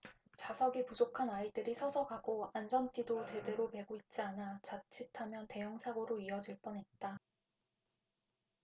좌석이 부족한 아이들이 서서 가고 안전띠도 제대로 매고 있지 않아 자칫하면 대형사고로 이어질 뻔했다